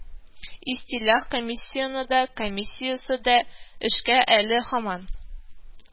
Истилях комиссионы да комиссиясе дә эшкә әле һаман